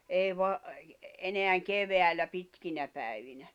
ei - enää keväällä pitkinä päivinä